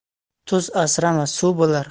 tuz asrama suv bo'lar